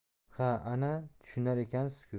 ha ana tushunar ekansiz ku